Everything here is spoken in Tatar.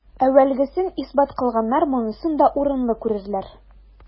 Әүвәлгесен исбат кылганнар монысын да урынлы күрерләр.